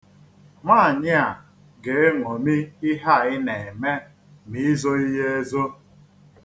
Nwaanyị a ga-eṅomi ihe a ị na-eme ma i zoghi ya ezo.